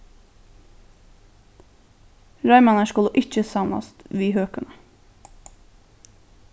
reimarnar skulu ikki samlast við høkuna